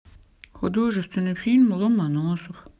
художественный фильм ломоносов